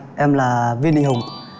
em là viên đình hùng